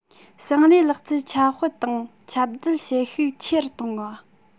ཞིང ལས ལག རྩལ ཁྱབ སྤེལ དང ཁྱབ གདལ བྱེད ཤུགས ཆེ རུ གཏོང བ